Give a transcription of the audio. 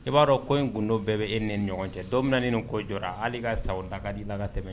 I b'a dɔn ko in kundo bɛɛ bɛ e ni ɲɔgɔn cɛ dɔminen ko jɔra hali ka sa da'a di laka tɛmɛ